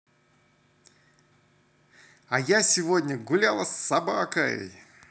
а я сегодня гуляла с собакой